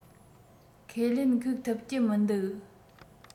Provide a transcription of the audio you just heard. ཁས ལེན ཁུག ཐུབ ཀྱི མི འདུག